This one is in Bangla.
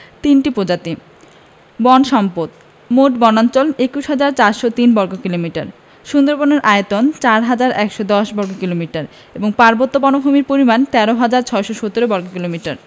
৩ টি প্রজাতি বন সম্পদঃ মোট বনাঞ্চল ২১হাজার ৪০৩ বর্গ কিলোমিটার সুন্দরবনের আয়তন ৪হাজার ১১০ বর্গ কিলোমিটার এবং পার্বত্য বনভূমির পরিমাণ ১৩হাজার ৬১৭ বর্গ কিলোমিটার